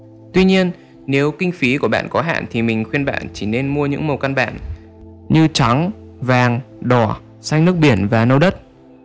tuy nhiên nếu kinh phí của bạn có hạn mình khuyên bạn chỉ nên mua những màu cơ bản như trắng vàng đỏ xanh nước biển và nâu đất như trắng vàng đỏ xanh nước biển và nâu đất